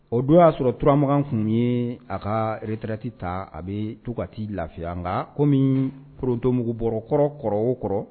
O don y'a sɔrɔ turamakan tun ye a ka retraite ta, a bɛ to k'a t'i lafiya. Nka comme forotomugubɔrɔ kɔrɔ, kɔrɔ o kɔrɔ